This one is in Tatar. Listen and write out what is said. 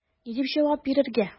Ни дип җавап бирергә?